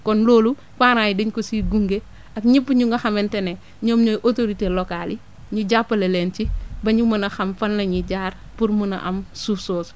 kon loolu parents yi dañ ko siy gunge ak ñëpp ñu nga xamante ne ñoom ñooy autorités locales yi ñu jàppale leen ci ba ñu mën a xam fan la ñuy jaar pour mun a am suuf soosu